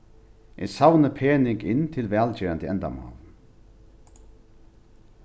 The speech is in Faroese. eg savni pening inn til vælgerandi endamál